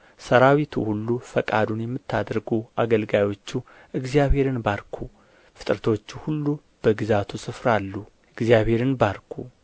ሠራዊቱ ሁሉ ፈቃዱን የምታደርጉ አገልጋዮቹ እግዚአብሔርን ባርኩ